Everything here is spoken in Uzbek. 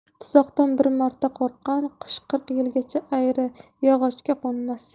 tuzoqdan bir marta qo'rqqan qush qirq yilgacha ayri yog'ochga qo'nmas